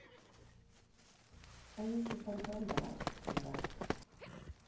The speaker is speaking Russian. поющий фонтан в арабских эмиратах